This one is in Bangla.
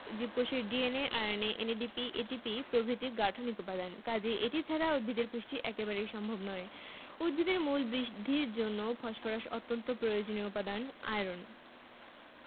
কপার টমেটো সূর্যমুখী উদ্ভিদের স্বাভাবিক বৃদ্ধির জন্য কপার বা তামার প্রয়োজন শ্বসন পক্রিয়ার উপরও কপারের প্রভাব উল্লেখযোগ্য বোরন উদ্ভিদের সক্রিয়ভাবে বর্ধনশীল অঞ্চলের জন্য বোরন প্রয়োজন